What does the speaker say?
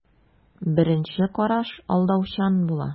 Беренче караш алдаучан була.